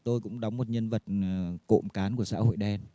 tôi cũng đóng một nhân vật cộm cán của xã hội đen